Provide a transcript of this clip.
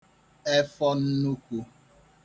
efọ nnukwu